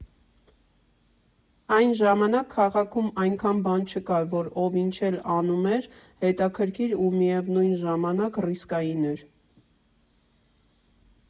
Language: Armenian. Այն ժամանակ քաղաքում այնքան բան չկար, որ ով ինչ էլ անում էր՝ հետաքրքիր ու միևնույն ժամանակ ռիսկային էր։